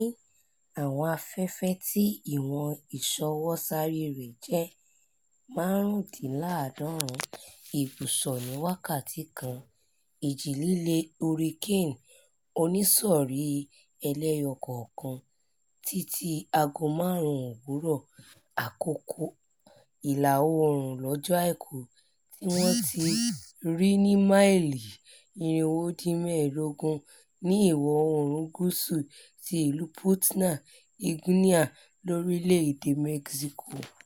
Rosa ní àwọn afẹ́fẹ́ tí ìwọn ìṣọwọ́sáré rẹ̀ jẹ́ máàrúndínláàádọ́ọ̀rún ìbùṣọ̀ ní wákàtí kan, Ìji-líle Hurricane Oníṣọ̀rí 1 kan, títí aago máàrún òwúrọ̀. Àkókò ìlà-oòrùn lọ́jọ́ Àìkú, tí wọn tí rí i ní máìlí irinwódínmẹ́ẹ̀dógún ní ìwọ̀-oòrùn gúúsù ti ìlú Punta Eugenia, lorílẹ̀-èdè Mẹ́ṣíkò.